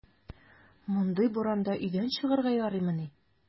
Мондый буранда өйдән чыгарга ярыймыни!